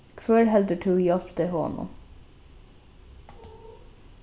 hvør heldur tú hjálpti honum